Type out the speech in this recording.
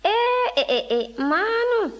ee ee ee maanu